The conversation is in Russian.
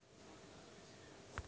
а спой песню